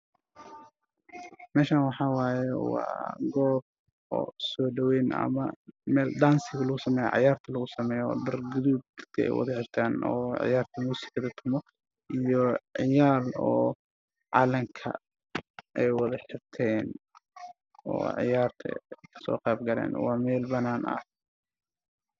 Waxaa isku imaaday niman waana laami ciyaar ay ku qabanayaan waana askar boolis ah dhar buluug ay wataan iyo guduud ah